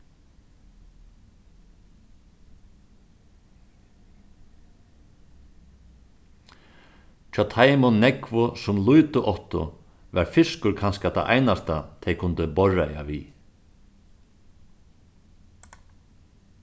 hjá teimum nógvu sum lítið áttu var fiskur kanska tað einasta tey kundu borðreiða við